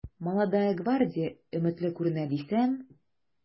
“молодая гвардия” өметле күренә дисәм...